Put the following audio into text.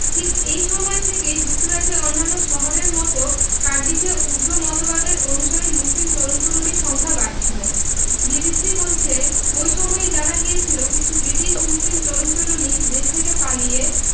ঠিক এই সময় থেকেই যুক্তরাজ্যের অন্যান্য শহরের মতো কার্ডিফেও উগ্র মতবাদের অনুসারী মুসলিম তরুণ তরুণীর সংখ্যা বাড়ছিল বিবিসি বলছে ওই সময়ই জানা গিয়েছিল কিছু ব্রিটিশ মুসলিম তরুণ তরুণী দেশ থেকে পালিয়ে